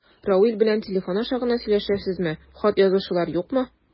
Равил белән телефон аша гына сөйләшәсезме, хат язышулар юкмы?